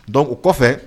Don o kɔfɛ